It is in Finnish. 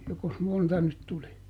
jokos monta nyt tuli